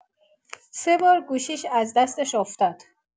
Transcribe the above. سه بار گوشیش از دستش افتاد!